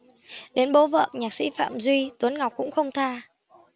đến bố vợ nhạc sỹ phạm duy tuấn ngọc cũng không tha